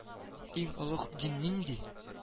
Иң олуг дин нинди